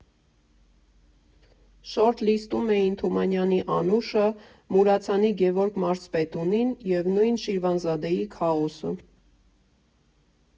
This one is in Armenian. Շորթ֊լիսթում էին Թումանյանի «Անուշը», Մուրացանի «Գևորգ Մարզպետունին» և նույն Շիրվանզադեի «Քաոսը»։